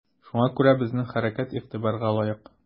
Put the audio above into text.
Шуңа күрә безнең хәрәкәт игътибарга лаек.